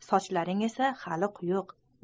sochlaring esa hali quyuq